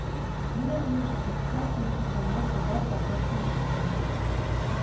Менә университетка имтиханнар тотар вакыт та җитте